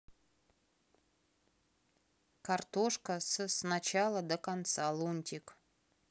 картошка с сначала до конца лунтик